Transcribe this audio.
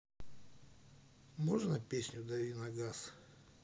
можно песню дави на газ